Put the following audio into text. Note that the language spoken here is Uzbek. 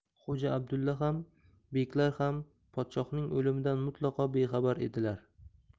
xo'ja abdulla ham beklar ham podshohning o'limidan mutlaqo bexabar edilar